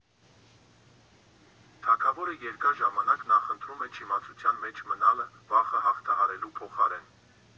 Թագավորը երկար ժամանակ նախընտրում է չիմացության մեջ մնալը՝ վախը հաղթահարելու փոխարեն։